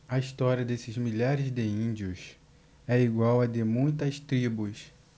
a história desses milhares de índios é igual à de muitas tribos